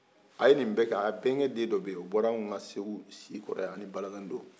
a ye ni bɛ kɛ a benkɛ den dɔ beye o bɔra anw ka segu sikɔrɔ yan ani balazan do